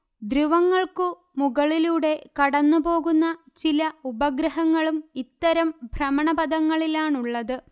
ധ്രുവങ്ങൾക്കു മുകളിലൂടെ കടന്നുപോകുന്ന ചില ഉപഗ്രഹങ്ങളും ഇത്തരം ഭ്രമണപഥങ്ങളിലാണുള്ളതു്